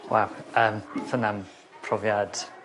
Waw yym odd hwnna'n profiad